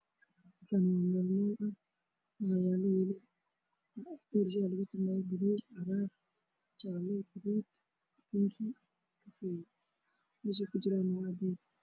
Meeshaan waxaa ka muuqdo weelka doorshaha lagu dubo